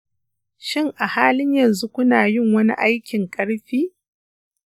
shin a halin yanzu kuna yin wani aikin ƙarfi?